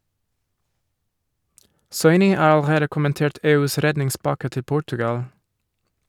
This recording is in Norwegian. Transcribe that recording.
Soini har allerede kommentert EUs redningspakke til Portugal.